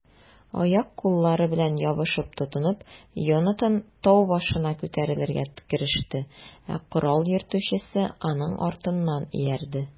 Аяк-куллары белән ябышып-тотынып, Йонатан тау башына күтәрелергә кереште, ә корал йөртүчесе аның артыннан иярде.